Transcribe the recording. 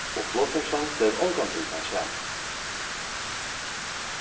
og flogferðslan bleiv ongantíð tann sama